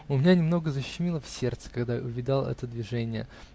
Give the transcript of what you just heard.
У меня немного защемило в сердце, когда я увидал это движение